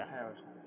a heewata